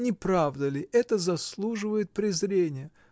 Не правда ли, это заслуживает презрения?